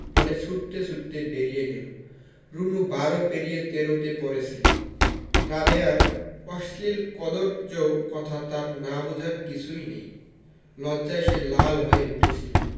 বলে ছুটতে ছুটতে বেরিয়ে গেল রুনু বারো পেরিয়ে তেরোতে পড়েছে রাবেয়ার অশ্লীল কদৰ্য কথা তার না বুঝার কিছুই নেই লজ্জায় সে লাল হয়ে উঠেছিলো